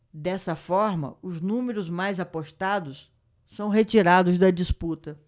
dessa forma os números mais apostados são retirados da disputa